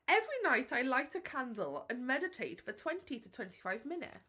Every night I light a candle and meditate for 20 to 25 minutes.